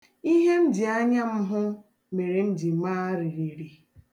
Ihe m ji anya m hụ mere m ji maa ririri.